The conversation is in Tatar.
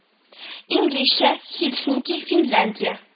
Инглизчә - һелсинки, финляндия